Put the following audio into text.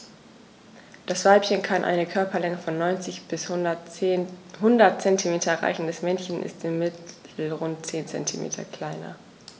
Das Weibchen kann eine Körperlänge von 90-100 cm erreichen; das Männchen ist im Mittel rund 10 cm kleiner.